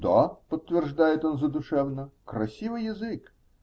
-- Да, -- подтверждает он задушевно, -- красивый язык.